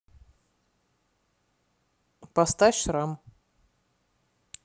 поставь шрам